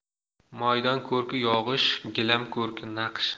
maydon ko'rki yog'ish gilam ko'rki naqsh